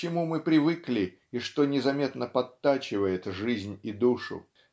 к чему мы привыкли и что незаметно подтачивает жизнь и душу.